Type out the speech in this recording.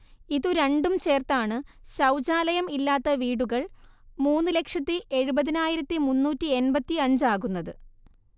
ഇതു രണ്ടും ചേർത്താണ് ശൗചാലയം ഇല്ലാത്ത വീടുകൾ മൂന്നു ലക്ഷത്തി എഴുപത്തിനായിരത്തി മുന്നൂറ്റി എൺപത്തിയഞ്ചാകുന്നത്